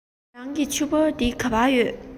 རང གི ཕྱུ པ དེ ག པར ཡོད